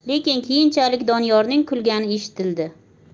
lekin keyinchalik doniyorning kulgani eshitildi